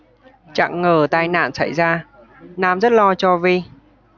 chẳng ngờ tai nạn xảy ra nam rất lo cho vi